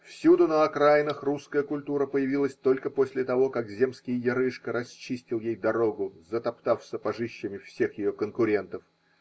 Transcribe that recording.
Всюду на окраинах русская культура появилась только после того, как земский ярыжка расчистил ей дорогу, затоптав сапожищами всех ее конкурентов.